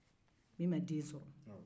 min ma den sɔrɔ